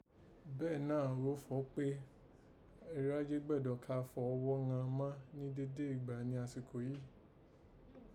Bẹ́ẹ̀ náà gho fọ̀ọ́ pé àghan iráyé gbẹ́dọ̀ ka fọ̀ ọghọ ghan má ni dede ìgbà ni àsíkò yìí